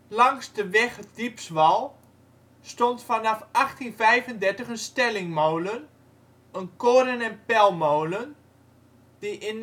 Langs de weg Diepswal stond vanaf 1835 een stellingmolen (een koren - en pelmolen), die in 1936